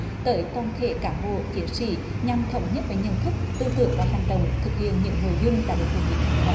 tới toàn thể cán bộ chiến sĩ nhằm thống nhất với nhận thức tư tưởng và hành động thực hiện những nội dung đã được hội nghị thông qua